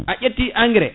a ƴetti engrais